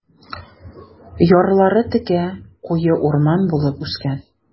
Ярлары текә, куе урман булып үскән.